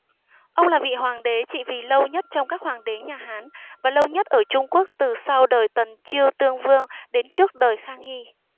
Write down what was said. ông là vị hoàng đế trị vì lâu nhất trong các hoàng đế nhà hán và lâu nhất ở trung quốc từ sau đời tần chiêu tương vương đến trước đời khang hy